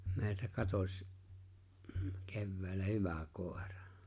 meiltä katosi keväällä hyvä koira